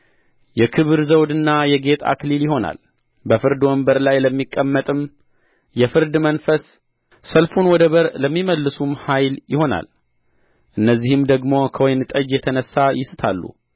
የክብር ዘውድና የጌጥ አክሊል ይሆናል በፍርድ ወንበር ላይ ለሚቀመጥም የፍርድ መንፈስ ሰልፉን ወደ በር ለሚመልሱም ኃይል ይሆናል እነዚህም ደግሞ ከወይን ጠጅ የተነሣ ይስታሉ